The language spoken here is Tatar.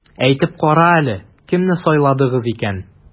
Әйтеп кара әле, кемне сайладыгыз икән?